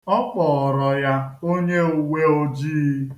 Ọ kpọọrọ ya onyeuweojii.